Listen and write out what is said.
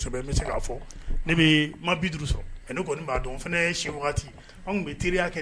M'be se ka fɔ, ne bɛ ma 50 sɔrɔ. Ne kɔni b'a dɔn n fɛnɛ ye an tun bɛ tɛriya kɛ